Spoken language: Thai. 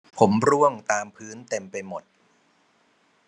ผมร่วงตามพื้นเต็มไปหมด